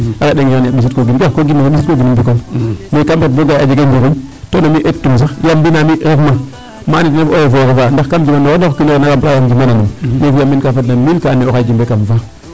a reɗangiran nene sutkooginum ɓiskooginum Bicole mais kam ɗeet ee a jega o njiriñ to na mi' eettun sax yaam mbind na mi' refma maa andoona yee ten ref eaux et foret faa ndax ka fadna mille ka andoona yee oxey jimbe kam fa.